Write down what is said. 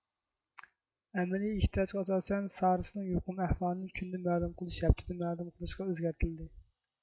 ئەمەلىي ئېھتىياجغا ئاساسەن سارسنىڭ يۇقۇم ئەھۋالىنى كۈندە مەلۇم قىلىش ھەپتىدە مەلۇم قىلىشقا ئۆزگەرتىلدى